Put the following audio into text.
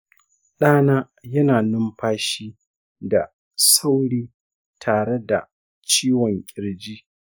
ɗana yana numfashi da sauri tare da ciwon kirji.